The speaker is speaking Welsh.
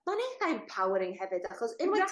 ma' o'n eitha empowering hefyd achos unwaith...